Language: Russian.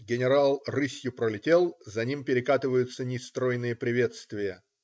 Генерал рысью пролетел, за ним перекатываются нестройные приветствия.